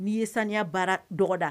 N'i ye saniya baara dɔgɔda